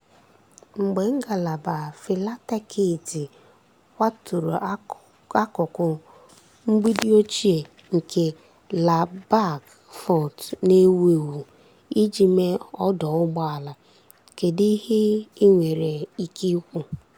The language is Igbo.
Mgbe ngalaba philatetiiki kwaturu akụkụ mgbidi ochie nke Lalbagh Fort na-ewu ewu iji mee ọdọ ụgbọala, kedu ihe i nwere ike ikwu?